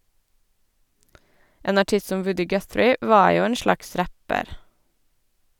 En artist som Woody Guthrie var jo en slags rapper.